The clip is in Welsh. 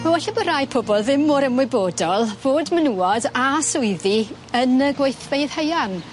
Ma' walle bo' rai pobol ddim mor ymwybodol fod menywod a swyddi yn y gweithfeydd haearn.